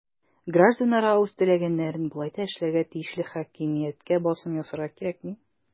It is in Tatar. Гражданнарга үз теләгәннәрен болай да эшләргә тиешле хакимияткә басым ясарга кирәкми.